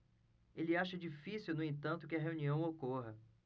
ele acha difícil no entanto que a reunião ocorra